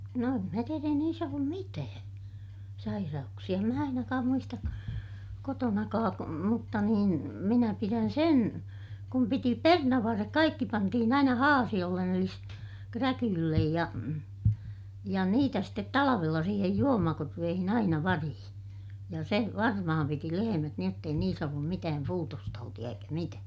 no en minä tiedä ei niissä ollut mitään sairauksia en minä ainakaan muista kotonakaan mutta niin minä pidän sen kun piti perunanvarret kaikki pantiin aina haasiolle eli sitten kräkylle ja ja niitä sitten talvella siihen juomakorveeseen aina variin ja se varmaan piti lehmät niin jotta ei niissä ollut mitään puutostautia eikä mitään